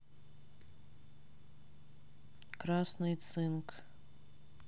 красный циник